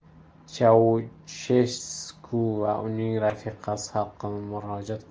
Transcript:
chaushesku va uning rafiqasi xalqqa murojaat